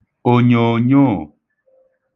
ònyòònyoò